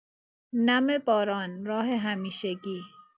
نم باران، راه همیشگی